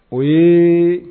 Ee